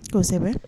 O kosɛbɛ